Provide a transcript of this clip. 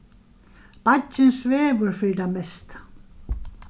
beiggin svevur fyri tað mesta